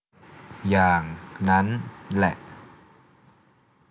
อย่างนั้ั้นแหละ